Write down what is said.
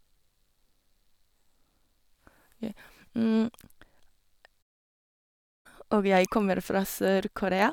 jeg og jeg kommer fra Sør-Korea.